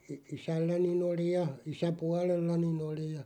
isälläni oli ja isäpuolellani oli ja